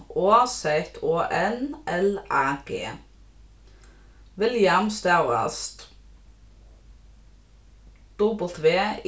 o z o n l a g william stavast w